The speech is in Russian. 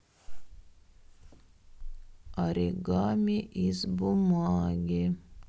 оригами из бумаги